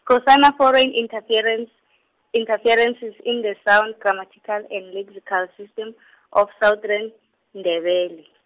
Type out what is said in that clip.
Skhosana Foreign Interference, Interferences in the Sound Grammatical, and Lexical System, of Southern, Ndebele.